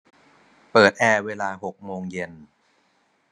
เปิดแอร์เวลาหกโมงเย็น